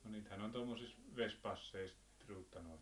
no niitähän on tuommoisissa vesipasseissa ruutanoita